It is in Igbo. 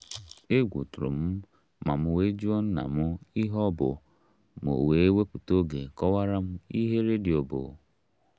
Egwu tụrụ m ma m wee jụọ nna m ihe ọ bụ ma o wee wepụta oge kọwaara m ihe redio bụ.